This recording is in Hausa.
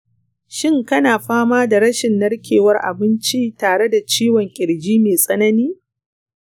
shin kana fama da rashin narkewar abinci tare da ciwon ƙirji me tsanani?